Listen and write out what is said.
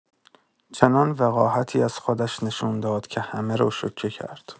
چنان وقاحتی از خودش نشون داد که همه رو شوکه کرد.